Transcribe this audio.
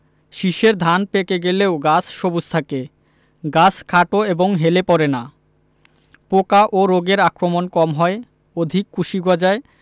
শীষের ধান পেকে গেলেও গাছ সবুজ থাকে গাছ খাটো ও হেলে পড়ে না পোকা ও রোগের আক্রমণ কম হয় অধিক কুশি গজায়